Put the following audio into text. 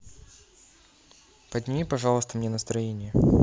подними пожалуйста мне настроение